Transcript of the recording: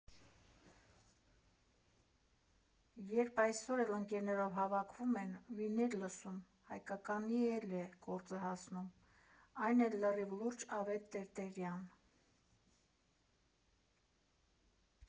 Երբ այսօր էլ ընկերներով հավաքվում են, վինիլ լսում, հայկականի էլ է գործը հասնում, այն էլ լրիվ լուրջ՝ Ավետ Տերտերյան։